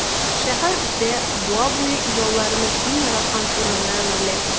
Шәһәр үсә, буа буе ижауларның иң яраткан урынына әверелә.